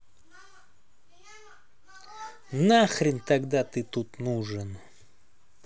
нахрен тогда ты тут нужен